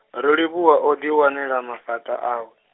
Rolivhuwa odi wanela mafhaṱa awe.